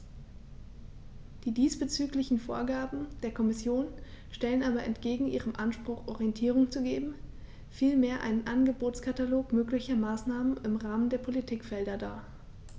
Die diesbezüglichen Vorgaben der Kommission stellen aber entgegen ihrem Anspruch, Orientierung zu geben, vielmehr einen Angebotskatalog möglicher Maßnahmen im Rahmen der Politikfelder dar.